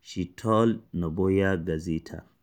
she told Novaya Gazeta.